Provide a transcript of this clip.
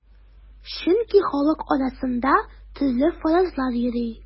Чөнки халык арасында төрле фаразлар йөри.